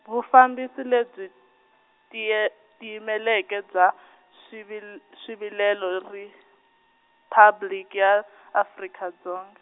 Vufambisi lebyi, tiye Tiyimeleke bya swivil- Swivilelo Riphabliki ya Afrika Dzong-.